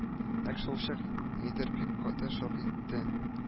Нәкъ шулчак нидер бик каты шап итте